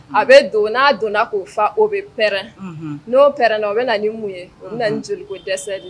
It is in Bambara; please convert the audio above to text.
A bɛ don n'a donna k'o fa o bɛɛ n'oɛ n o bɛ na nin mun ye u na nin dɛsɛ de